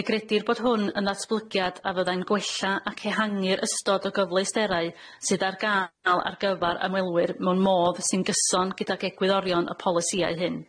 Fe gredir bod hwn yn ddatblygiad a fyddai'n gwella ac ehangu'r ystod o gyfleusterau sydd ar ga'l ar gyfar ymwelwyr mewn modd sy'n gyson gydag egwyddorion y polisiau hyn.